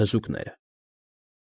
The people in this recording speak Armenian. Թզուկները։